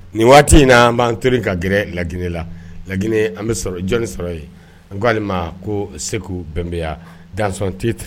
Nin waati in na an b'an to k'an gɛrɛ laginɛ la, Laginɛ, an bɛ jɔnni sɔrɔ yen n ko Seku Bɛnbanya dans son tirtre